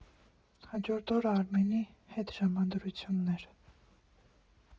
Հաջորդ օրը Արմենի հետ ժամադրությունն էր։